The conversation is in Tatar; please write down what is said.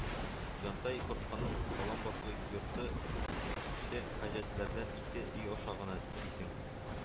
Җантай кортканың салам башлы йорты укытучы Хаҗәтләрдән ике өй аша гына, дисең